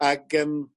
ag yym